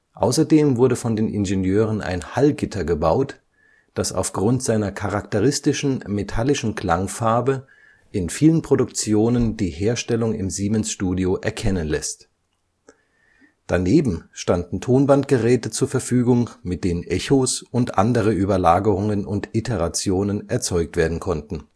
Außerdem wurde von den Ingenieuren ein Hallgitter gebaut, das aufgrund „ seiner charakteristischen, metallischen Klangfarbe “in vielen Produktionen die Herstellung im Siemens-Studio erkennen lässt. Daneben standen Tonbandgeräte zur Verfügung, mit denen Echos und andere Überlagerungen und Iterationen erzeugt werden konnten